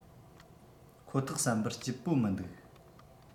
ཁོ ཐག བསམ པར སྐྱིད པོ མི འདུག